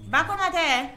Ba kɔnɔ tɛ